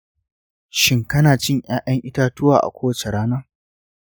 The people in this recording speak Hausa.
shin kana cin ’ya’yan itatuwa a kowace rana?